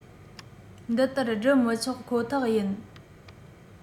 འདི ལྟར སྒྲུབ མི ཆོག ཁོ ཐག ཡིན